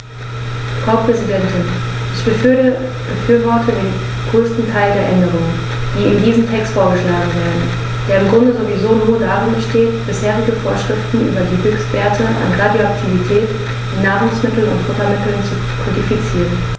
Frau Präsidentin, ich befürworte den größten Teil der Änderungen, die in diesem Text vorgeschlagen werden, der im Grunde sowieso nur darin besteht, bisherige Vorschriften über die Höchstwerte an Radioaktivität in Nahrungsmitteln und Futtermitteln zu kodifizieren.